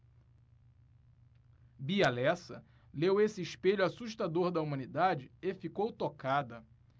bia lessa leu esse espelho assustador da humanidade e ficou tocada